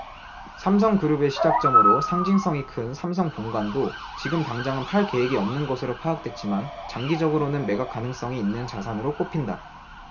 삼성그룹의 시작점으로 상징성이 큰 삼성본관도 지금 당장은 팔 계획이 없는 것으로 파악됐지만 장기적으로는 매각 가능성이 있는 자산으로 꼽힌다